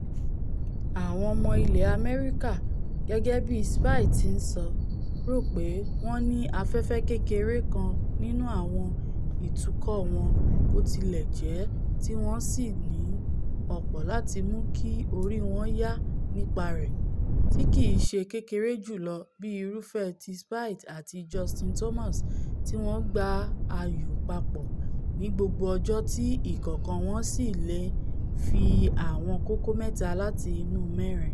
Àwọn ọmọ ilẹ̀ Amẹrika, gẹ́gẹ́bí Spieth ti ńsọ, ròpé wọ́n ní afẹ́fẹ̵́ kékeré kan nínú àwọn ìtukọ wọn botilẹjẹ tí wọ́n sì ní ọ̀pọ̀ láti mú kí orí wọn yá nípa rẹ̀, tíkìí ṣe kékeré jùlọ bí irúfẹ́ ti Spieth àti Justin Thomas tí wọ́n gbá ayò papọ̀ ní gbogbo ọjọ́ tí ìkọ̀ọ̀kan wọn sì leè fi àwọn kókó mẹ́ta láti inú mẹ́rin.